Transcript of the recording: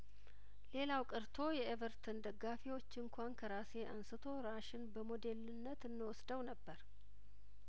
ሌላው ቀርቶ የኤቨርተን ደጋፊዎች እንኳን ከራሴ አንስቶ ራሽን በሞዴልነት እንወስደው ነበር